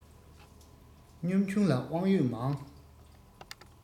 སྙོམས ཆུང ལ དབང ཡོད མང